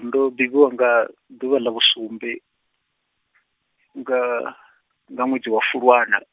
ndo bebiwa nga, ḓuvha ḽa vhusumbe, nga, nga ṅwedzi wa Fulwana.